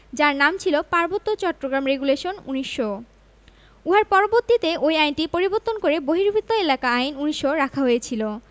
যার নাম ছিল পার্বত্য চট্টগ্রাম রেগুলেশন ১৯০০ উহার পরবর্তীতে ঐ আইনটি পরিবর্তন করে বহির্ভূত এলাকা আইন ১৯০০ রাখা হয়েছিল